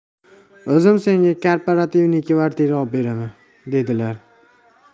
o'zim senga kooperativniy kvartira olib beraman dedilar